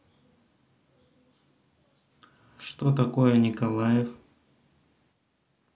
что такое николаев